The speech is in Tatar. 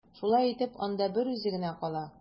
Шулай итеп, анда берүзе генә кала.